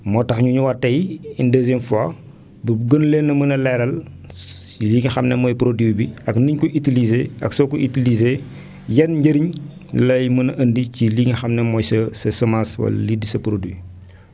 moo tax ñu ñëwaat tey une deuxième fois ba gën leen a mën a leeral ci li nga xam ne mooy produit bi ak ni ñu koy utilisé ak soo ko utilisé yan njëriñ lay mën a indi ci li nga xam ne mooy sa sa semence wala lii di sa produit